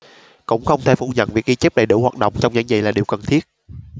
cũng không thể phủ nhận việc ghi chép đầy đủ hoạt động trong giảng dạy là điều cần thiết